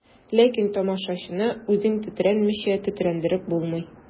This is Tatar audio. Ләкин тамашачыны үзең тетрәнмичә тетрәндереп булмый.